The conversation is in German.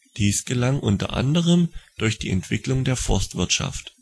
Dies gelang unter anderem durch die Entwicklung der Forstwirtschaft